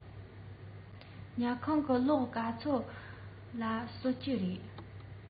ཉལ ཁང གི གློག ཆུ ཚོད ག ཚོད ལ གསོད ཀྱི རེད